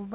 An